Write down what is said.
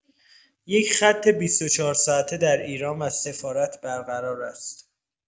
یک خط ۲۴ ساعته در ایران و سفارت بر قرار است.